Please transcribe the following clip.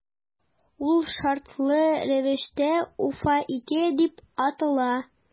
Ул шартлы рәвештә “Уфа- 2” дип атала.